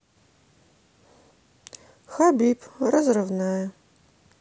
хабиб разрывная